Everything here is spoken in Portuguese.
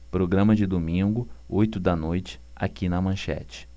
programa de domingo oito da noite aqui na manchete